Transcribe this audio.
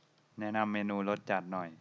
แนะนำเมนูรสจัดหน่อย